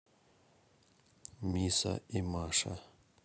миса и маша